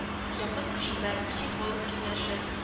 Якын кешеләр, психолог киңәше